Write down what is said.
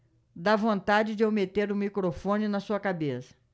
dá vontade de eu meter o microfone na sua cabeça